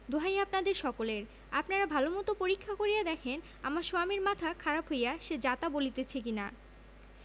দোহাই আপনাদের সকলের আপনারা ভালোমতো পরীক্ষা করিয়া দেখেন আমার সোয়ামীর মাথা খারাপ হইয়া সে যাতা বলিতেছে কিনা